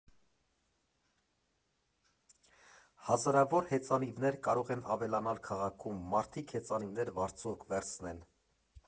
Հազարավոր հեծանիվներ կարող են ավելանալ քաղաքում, մարդիկ հեծանիվներ վարձով կվերցնեն ։